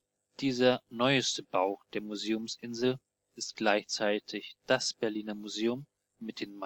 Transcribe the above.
Dieser neueste Bau der Museumsinsel ist gleichzeitig das Berliner Museum mit den